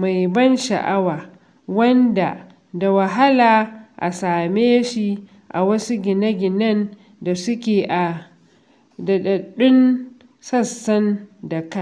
mai ban sha'awa wanda da wahala a same shi a wasu gine-ginen da suke a daɗaɗɗun sassan Dhaka.